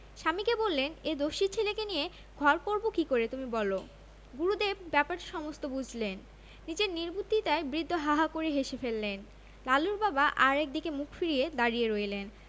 স্বামীকে বললেন এ দস্যি ছেলেকে নিয়ে ঘর করব কি করে তুমি বল গুরুদেব ব্যাপারটা সমস্ত বুঝলেন নিজের নির্বুদ্ধিতায় বৃদ্ধ হাঃ হাঃ করে হেসে ফেললেন লালুর বাবা আর একদিকে মুখ ফিরিয়ে দাঁড়িয়ে রইলেন